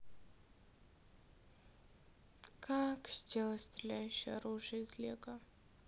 как сделать стреляющее оружие из лего